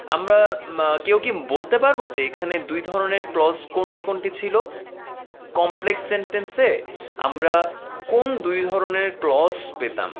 আমরা কেউ কি বলতে পারবো যে এখানে দুই ধরনের ক্লস কোনটি কোনটি ছিল কম্প্লেক্স সেন্টেন্স এ আমরা কোন দুই ধরনের ক্লস পেতাম